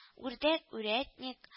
Үрдәк үрәтник